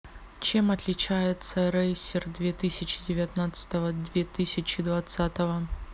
чем отличается racer две тысячи девятнадцатого две тысячи двадцатого